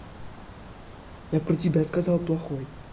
я про тебя сказал плохой